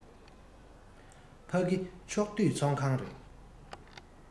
ཕ གི ཕྱོགས བསྡུས ཚོགས ཁང རེད